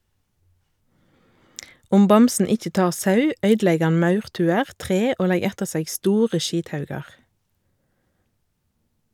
Om bamsen ikkje tar sau, øydelegg han maurtuer, tre og legg etter seg store skithaugar.